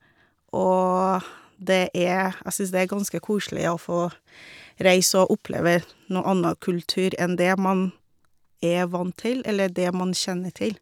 Og det er jeg synes det er ganske koselig å få reise og oppleve noe anna kultur enn det man er vant til, eller det man kjenner til.